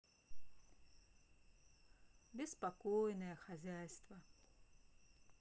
беспокойное хозяйство